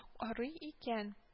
Карый икән